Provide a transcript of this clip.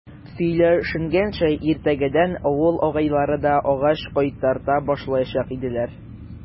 Сөйләшенгәнчә, иртәгәдән авыл агайлары да агач кайтарта башлаячак иделәр.